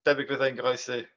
Debyg fydda i'n goroesi.